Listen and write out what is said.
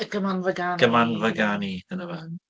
Y Gymanfa Ganu... Gymanfa Ganu, dyna fe. ...Mh-m.